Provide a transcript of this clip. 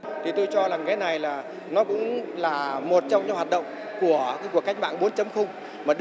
thì tôi cho rằng cái này là nó cũng là một trong những hoạt động của cuộc cách mạng bốn chấm không